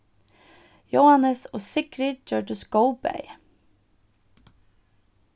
jóhannes og sigrið gjørdust góð bæði